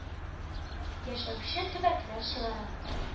Яшәүче төбәкләр чыгара.